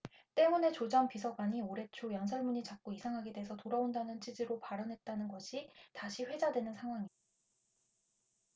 때문에 조 전 비서관이 올해 초 연설문이 자꾸 이상하게 돼서 돌아온다는 취지로 발언했다는 것이 다시 회자되는 상황이다